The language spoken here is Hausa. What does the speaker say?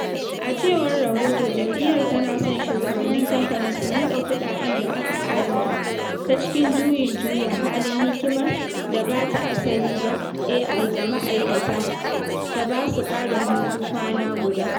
A cewar rahoto jam'iyyar tana son shugabannin kamfani su miƙa kuɗaɗen da aka adana ta cikin juyin juya halin hikimar da ba ta asali ba (AI) ga ma'aikata ta ba su ƙarin hutu kwana guda.